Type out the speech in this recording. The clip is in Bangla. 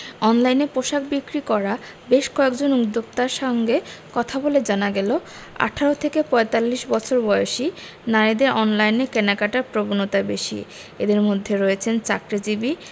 অনলাইনে পোশাক বিক্রি করা বেশ কয়েকজন উদ্যোক্তার সঙ্গে কথা বলে জানা গেল ১৮ থেকে ৪৫ বছর বয়সী নারীদের অনলাইনে কেনাকাটার প্রবণতা বেশি এঁদের মধ্যে রয়েছেন চাকরিজীবী